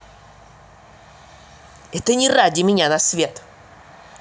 это не ради меня на свет